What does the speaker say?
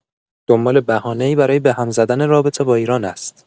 دنبال بهانه‌ای برای به هم زدن رابطه با ایران است!